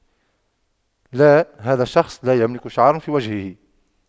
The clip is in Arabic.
لا هذا الشخص لا يملك شعر في وجهه